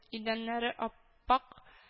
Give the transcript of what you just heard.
Идәннәре ап-ак